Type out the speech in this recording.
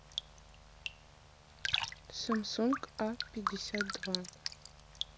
samsung a пятьдесят два